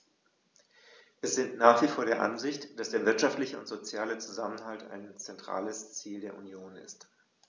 Wir sind nach wie vor der Ansicht, dass der wirtschaftliche und soziale Zusammenhalt ein zentrales Ziel der Union ist.